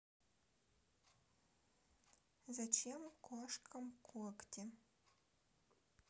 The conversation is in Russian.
зачем кошкам когти